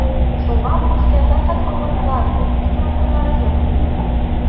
Шуңа бу эшкә фәкать авыр К-700 тракторлары җәлеп ителгән.